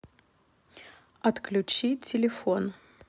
отключи телефон